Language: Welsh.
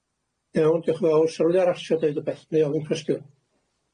Iawn, diolch yn fawr. Se r'wun arall isio deud wbeth, neu ofyn cwestiwn?